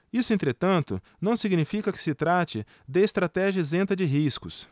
isso entretanto não significa que se trate de estratégia isenta de riscos